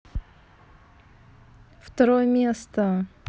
второе место